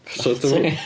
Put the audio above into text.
So dwi ddim...